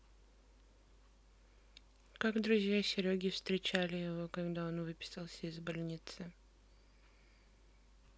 как друзья сереги встречали его когда он выписался из больницы